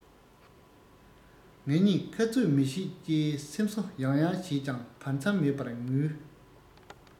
ང གཉིས ཁ རྩོད མི བྱེད ཅེས སེམས གསོ ཡང ཡང བྱས ཀྱང བར མཚམས མེད པར ངུས